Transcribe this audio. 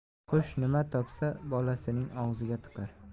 qush nima topsa bolasining og'ziga tiqar